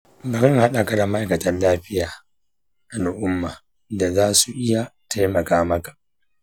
bari in haɗa ka da ma’aikatan lafiyar al’umma da za su iya taimaka maka.